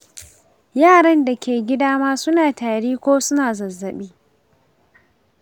yaran da ke gida ma suna tari ko suna zazzaɓi?